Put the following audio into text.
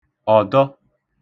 ọ̀dọ